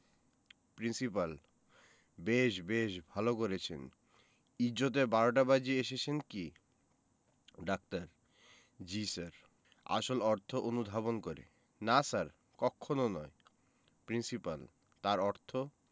principal বেশ বেশ ভালো করেছেন ইজ্জতের বারোটা বাজিয়ে এসেছেন কি ডাক্তার জ্বী স্যার আসল অর্থ অনুধাবন করে না স্যার কক্ষণো নয় প্রিন্সিপাল তার অর্থ